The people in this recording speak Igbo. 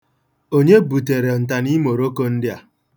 Onye butere ntaniimoloko ndị a?